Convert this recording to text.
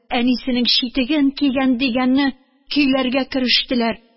«әнисенең читеген кигән!» дигәнне көйләргә керештеләр.